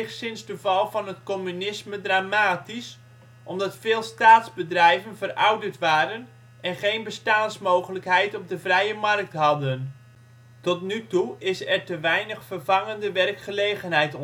sinds de val van het communisme dramatisch, omdat veel staatsbedrijven verouderd waren en geen bestaansmogelijkheid op de vrije markt hadden. Tot nu toe is er te weinig vervangende werkgelegenheid